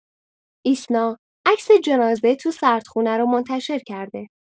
ایسنا عکس جنازه تو سردخونه رو منتشر کرده.